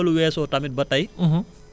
mais bu loolu weesoo tamit ba tey